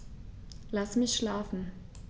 Lass mich schlafen